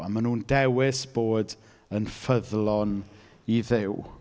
A maen nhw'n dewis bod yn ffyddlon i Dduw.